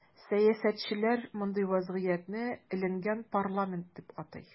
Сәясәтчеләр мондый вазгыятне “эленгән парламент” дип атый.